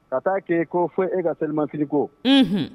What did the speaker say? Ka taa kɛ ko fɔ e ka selimafini ko n' hun